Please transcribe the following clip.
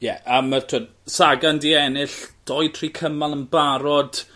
Ie a ma' t'wod Sagan 'di ennill doi tri cymal yn barod